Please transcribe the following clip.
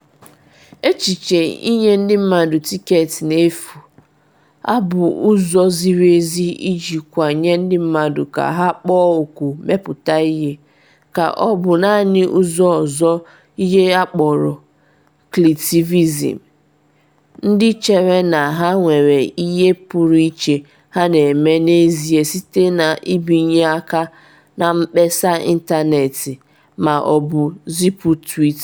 Echiche inye ndị mmadụ tịketị n’efu, a bụ ụzọ ziri ezi iji kwanye ndị mmadụ ka ha kpọọ oku mmepụta ihe, ka ọ bụ naanị ụzọ ọzọ ihe akpọrọ “kliktivizm” - ndị chere na ha nwere ihe pụrụ iche ha na-eme n’ezie site na ibinye aka na mkpesa ịntanetị ma ọ bụ zipu tweet?